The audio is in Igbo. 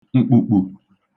m̀kpùkpù